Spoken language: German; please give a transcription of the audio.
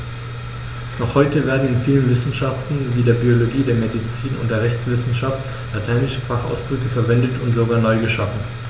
Noch heute werden in vielen Wissenschaften wie der Biologie, der Medizin und der Rechtswissenschaft lateinische Fachausdrücke verwendet und sogar neu geschaffen.